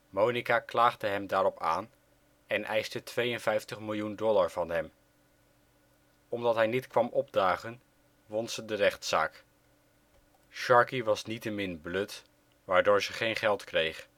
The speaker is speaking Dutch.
Monica klaagde hem daarop aan en eiste 52 miljoen dollar van hem. Omdat hij niet kwam opdagen, won ze de rechtszaak. Sharkey was niettemin blut, waardoor ze geen geld kreeg